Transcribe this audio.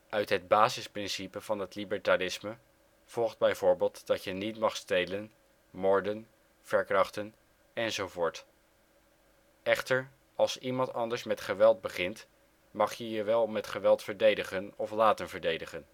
Uit het basisprincipe van het libertarisme volgt bijvoorbeeld dat je niet mag stelen, moorden, verkrachten enzovoort. Echter, als iemand anders met geweld begint mag je je wel met geweld verdedigen of laten verdedigen